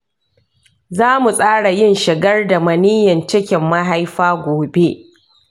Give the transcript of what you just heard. za mu tsara yin shigar da maniyyi cikin mahaifa gobe.